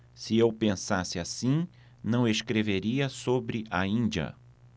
se eu pensasse assim não escreveria sobre a índia